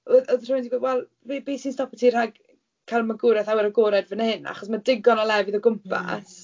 Oedd oedd rywun 'di gweud, "wel be be sy'n stopo ti rhag cael magwraeth awyr agored fan hyn? Achos mae digon o lefydd o gwmpas"... mm.